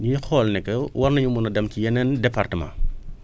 ñuy xool ne que war nañ mun a dem ci yeneen département